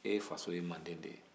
e faso ye manden de ye